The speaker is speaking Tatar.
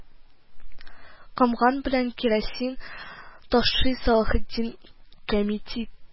Комган белән кирасин ташый Салахетдин «Кәмитет»